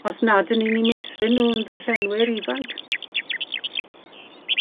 Os nad 'dan ni'n 'u meithrin nw'n ddarllenwyr ifanc.